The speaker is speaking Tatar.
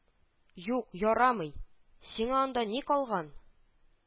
— юк, ярамый. сиңа анда ни калган